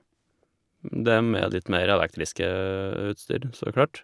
Det er med litt mer elektriske utstyr, så klart.